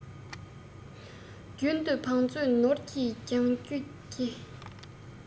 རྒྱུན དུ བང མཛོད ནོར གྱིས བརྒྱང རྒྱུ གྱིས